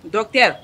Dɔ tɛ